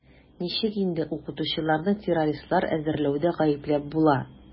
Ничек инде укытучыларны террористлар әзерләүдә гаепләп була?